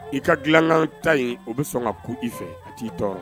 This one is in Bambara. I ka dilankan ta in o bɛ sɔn ka k'i fɛ, o t'i tɔɔrɔ